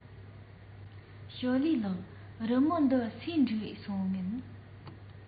ཞོའོ ལིའི ལགས རི མོ འདི སུས བྲིས སོང ངས